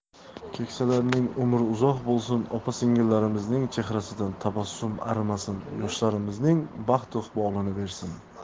keksalarimizning umri uzoq bo'lsin opa singillarimizning chehrasidan tabassum arimasin yoshlarimizning baxtu iqbolini bersin